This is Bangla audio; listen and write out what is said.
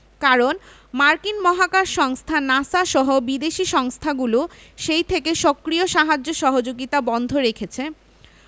কারণ মার্কিন মহাকাশ সংস্থা নাসা সহ বিদেশি সংস্থাগুলো সেই থেকে সক্রিয় সাহায্য সহযোগিতা বন্ধ রেখেছে